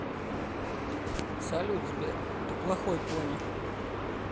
салют сбер ты плохой пони